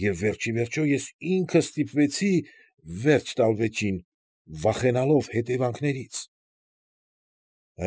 Եվ վերջ ի վերջո ես ինքս ստիպվեցի վերջ տալ վեճին, վախենալով հետևանքներից։